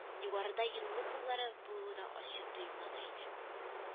Югарыда йонлы куллары булуы да ачык тоемлана иде